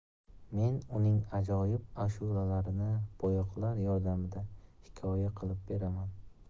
men uning ajoyib ashulalarini bo'yoqlar yordamida hikoya qilib beraman